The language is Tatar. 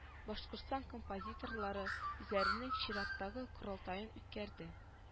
Башкортстан композиторлары үзләренең чираттагы корылтаен үткәрде